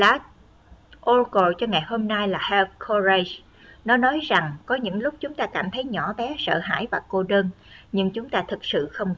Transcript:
lá tarot cho ngày hôm nay là have courage nó nói rằng có những lúc chúng ta cảm thấy nhỏ bé sợ hãi và cô đơn nhưng chúng ta thực sự không cô đơn